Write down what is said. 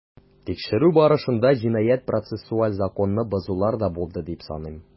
Тикшерү барышында җинаять-процессуаль законны бозулар да булды дип саныйм.